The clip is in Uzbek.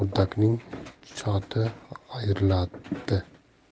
o'rdakning choti ayrilibdi